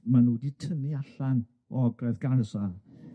Ma' nw 'di tynnu allan o Ogledd Gaza.